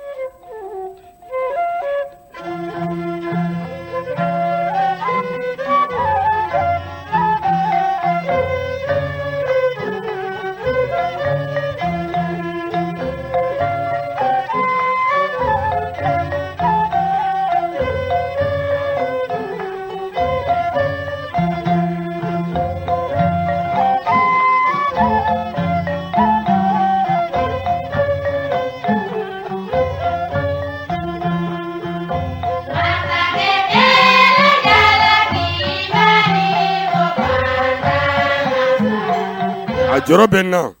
A jɔ bɛ na